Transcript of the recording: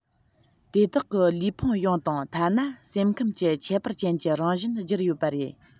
དེ དག གི ལུས ཕུང ཡོངས དང ཐ ན སེམས ཁམས ཀྱི ཁྱད པར ཅན གྱི རང བཞིན བསྒྱུར ཡོད པ རེད